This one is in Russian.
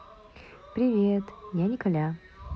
привет я николя